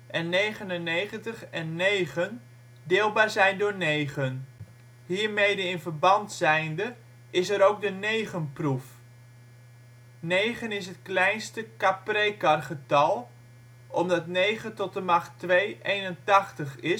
en 99 en 9 deelbaar zijn door 9. Hiermede in verband zijnde is er ook de negenproef. 9 is het kleinste Kaprekargetal, omdat 9 2 {\ displaystyle 9^ {2}} = 81 en 8 + 1 = 9. Het